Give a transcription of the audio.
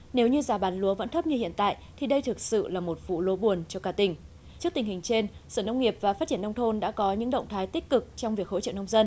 nếu như giá bán lúa vẫn thấp như hiện tại thì đây thực sự là một vụ lúa buồn cho cả tỉnh trước tình hình trên sở nông nghiệp và phát triển nông thôn đã có những động thái tích cực trong việc hỗ trợ nông dân